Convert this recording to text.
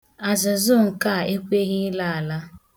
Azụzụ nkea ekweghi ịla ala.